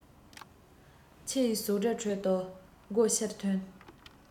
ཁྱིའི ཟུག སྒྲའི ཁྲོད དུ སྒོ ཕྱིར ཐོན